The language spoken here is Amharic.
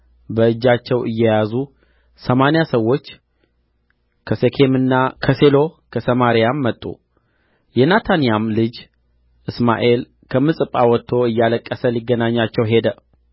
በእጃቸው እየያዙ ሰማንያ ሰዎች ከሴኬምና ከሴሎ ከሰማርያም መጡ የናታንያም ልጅ እስማኤል ከምጽጳ ወጥቶ እያለቀሰ ሊገናኛቸው ሄደ